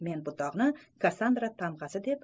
men bu dog'ni kassandra tamg'asi deb